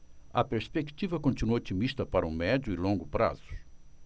a perspectiva continua otimista para o médio e longo prazos